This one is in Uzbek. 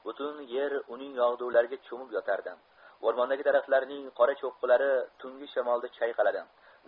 butun yer uning yog'dulariga cho'mib yotardi o'rmondagi daraxtlarning qora cho'qqilari tungi shamolda chayqaladi